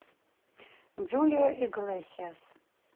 julio iglesias